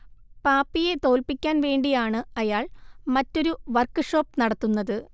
പാപ്പിയെ തോൽപ്പിക്കാൻ വേണ്ടിയാണ് അയാൾ മറ്റൊരു വർക്ക്ഷോപ്പ് നടത്തുന്നത്